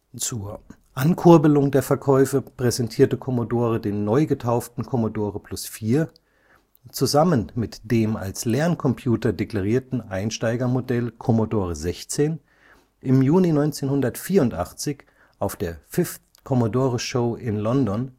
Zur Ankurbelung der Verkäufe präsentierte Commodore den neu getauften Commodore Plus/4 zusammen mit dem als Lerncomputer deklarierten Einsteigermodell Commodore 16 im Juni 1984 auf der 5th Commodore Show in London